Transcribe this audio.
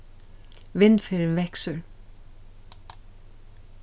vindferðin veksur